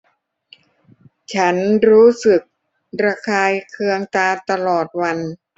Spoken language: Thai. ฉันรู้สึกระคายเคืองตาตลอดวัน